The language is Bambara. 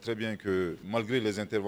Rebi mariridi lajɛɛn tɛ